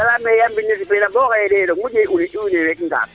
te leyame ya mbine sipeena bo xaye de roog maƴu i uno mbep ngaak